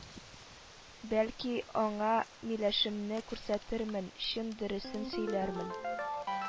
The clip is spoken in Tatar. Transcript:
Бәлки, аңа миләшемне күрсәтермен, чын дөресен сөйләрмен